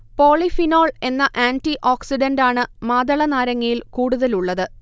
polyphenol എന്ന ആന്റിഓക്സിഡന്റാണ് മാതളനാരങ്ങയിൽ കൂടുതലുള്ളത്